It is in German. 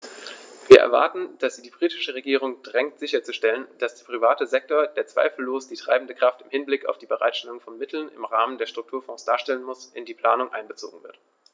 Wir erwarten, dass sie die britische Regierung drängt sicherzustellen, dass der private Sektor, der zweifellos die treibende Kraft im Hinblick auf die Bereitstellung von Mitteln im Rahmen der Strukturfonds darstellen muss, in die Planung einbezogen wird.